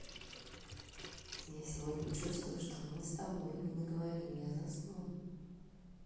я сегодня чувствую что мы не с тобой не договорим я засну